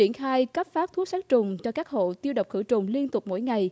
triển khai cấp phát thuốc sát trùng cho các hộ tiêu độc khử trùng liên tục mỗi ngày